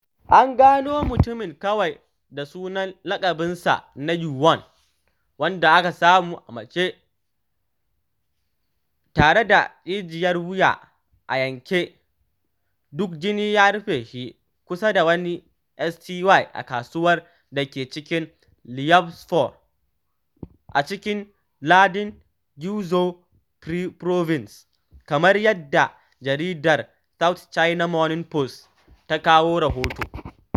An gano mutumin kawai da sunan laƙabinsa na "Yuan," wanda aka samu a mace tare da jijiyar wuya a yanke, duk jini ya rufe shi kusa da wani sty a kasuwar da ke cikin Liupanshui a cikin lardin Guizhou province, kamar yadda jaridar South China Morning Post ta kawo rahoto.